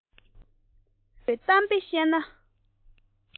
སྲིད པ རྒད པོས གཏམ དཔེ བཤད ན